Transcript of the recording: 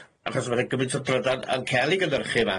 Achos ma' 'ne gymint o drydan yn cael ei gynyrchu yma.